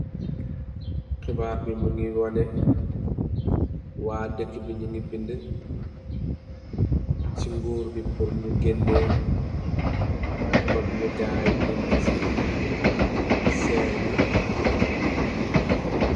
Kibar bi mungi wanè wa dakk bi nungi bind ci gour yi purr nu gënè mag nu gay dënch ci sèll bi.